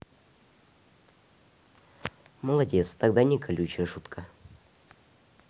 молодец тогда не колючая штука